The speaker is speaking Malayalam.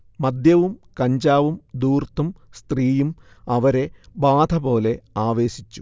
മദ്യവും കഞ്ചാവും ധൂർത്തും സ്ത്രീയും അവരെ ബാധപോലെ ആവേശിച്ചു